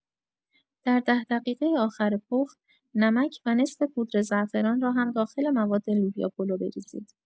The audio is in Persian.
در ۱۰ دقیقه آخر پخت، نمک و نصف پودر زعفران را هم داخل مواد لوبیا پلو بریزید.